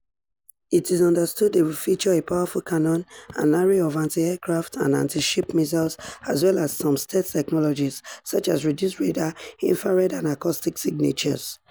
It is understood they will feature a powerful cannon, an array of anti-aircraft and anti-ship missiles as well as some stealth technologies, such as reduced radar, infrared and acoustic signatures.